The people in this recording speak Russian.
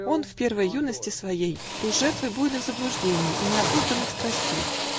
Он в первой юности своей Был жертвой бурных заблуждений И необузданных страстей.